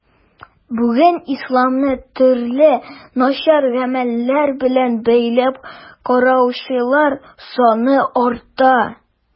Бүген исламны төрле начар гамәлләр белән бәйләп караучылар саны арта.